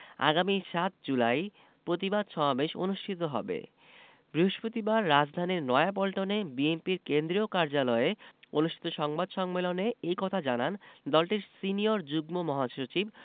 আগামী ৭ জুলাই প্রতিবাদ সমাবেশ অনুষ্ঠিত হবে বৃহস্পতিবার রাজধানীর নয়াপল্টনে বিএনপির কেন্দ্রীয় কার্যালয়ে অনুষ্ঠিত সংবাদ সম্মেলন এ কথা জানান দলটির সিনিয়র যুগ্ম মহাসচিব